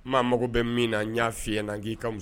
N maa mago bɛ min na n y'a fɔi yan na n'i ka